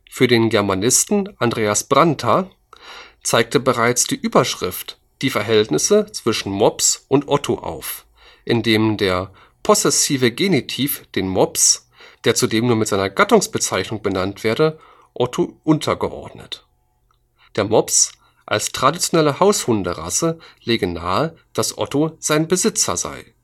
Für den Germanisten Andreas Brandtner zeigte bereits die Überschrift die Verhältnisse zwischen Mops und Otto auf, indem der possessive Genitiv den Mops, der zudem nur mit seiner Gattungsbezeichnung benannt werde, Otto unterordne. Der Mops als traditionelle Haushunderasse lege nahe, dass Otto sein Besitzer sei